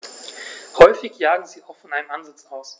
Häufig jagen sie auch von einem Ansitz aus.